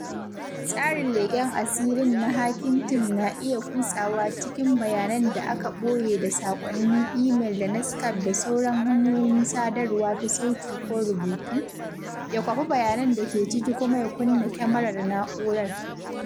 Tsarin leƙen asirin na @hackingteam na iya kutsawa cikin bayanan da aka ɓoye da saƙonnin imel da na Skype da sauran hanyoyin sadarwa ta sauti ko rubutu, ya kwafi bayanan da ke ciki kuma ya kunna kyamarar na’urar.